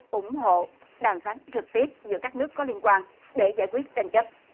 ủng hộ đàm phán trực tiếp giữa các nước có liên quan để giải quyết tranh chấp